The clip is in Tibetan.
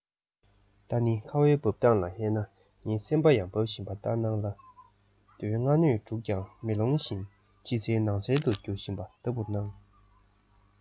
ད ནི ཁ བའི འབབ སྟངས ལ ཧད ན ངའི སེམས པ ཡང འབབ བཞིན པ ལྟར སྣང ལ དོན ལྔ སྣོད དྲུག ཀྱང མེ ལོང བཞིན ཕྱི གསལ ནང གསལ དུ འགྱུར བཞིན པ ལྟ བུར སྣང